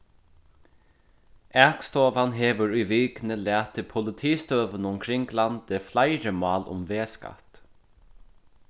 akstovan hevur í vikuni latið politistøðunum kring landið fleiri mál um vegskatt